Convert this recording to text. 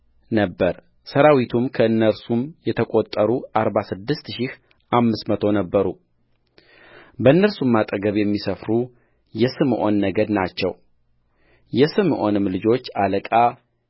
ነበረሠራዊቱም ከእነርሱም የተቈጠሩ አርባ ስድስት ሺህ አምስት መቶ ነበሩበእነርሱም አጠገብ የሚሰፍሩ የስምዖን ነገድ ናቸው የስምዖንም ልጆች አለቃ